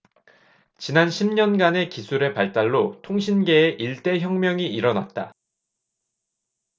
지난 십 년간 기술의 발달로 통신계에 일대 혁명이 일어났다